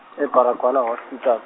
e Baragwana hospital.